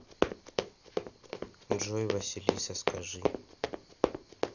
джой василиса скажи